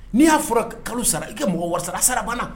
N'i y'a fɔra kalo sara i ka mɔgɔ wasa sarabana